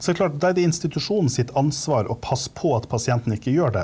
så er klart, da er det institusjonen sitt ansvar å passe på at pasienten ikke gjør det.